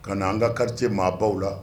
Ka na an ka kari maa baw la